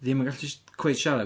Ddim yn gallu s- cweit siarad